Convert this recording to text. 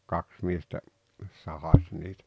kaksi miestä sahasi niitä